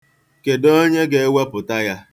Kedụ onye ga-ewepụta ya?